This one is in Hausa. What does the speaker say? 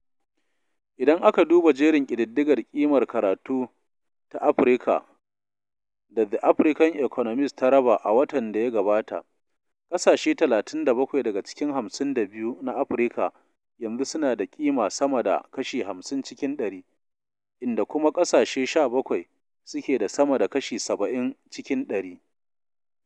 Idan aka duba jerin ƙididdigar ƙimar karatu ta Afrika da The African Economist ta raba a watan da ya gabata, ƙasashe 37 daga cikin 52 na Afrika yanzu suna da ƙima sama da kashi 50 cikin ɗari, inda kuma ƙasashe 17 suke da sama da kashi 70 cikin 100.